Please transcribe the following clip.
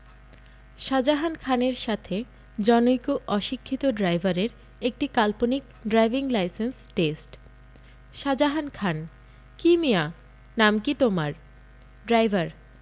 শাজাহান খানের সাথে জনৈক অশিক্ষিত ড্রাইভারের একটি কাল্পনিক driving licence test Shahjahan Khan কি মিয়া নাম কি তোমার ড্রাইভার